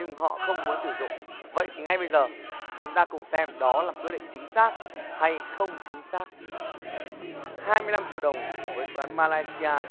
nhưng họ không muốn sử dụng vậy thì ngay bây giờ chúng ta cùng xem đó là một quyết định chính xác hay không chính xác hai mươi lăm triệu đồng với phương án ma lai si a